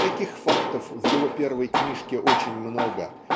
Таких фактов в его первой книжке очень много